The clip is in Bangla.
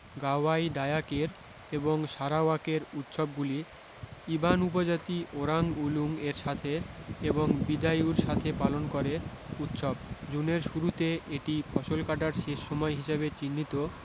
গাওয়াই ডায়াকের এবং সারাওয়াকের উৎসবগুলি ইবান উপজাতি ওরাঙ্গ উলুর সাথে এবং বিদায়ুর সাথে পালন করে উৎসব জুনের শুরুতে এটি ফসল কাটার শেষ সময় হিসাবে চিহ্নিত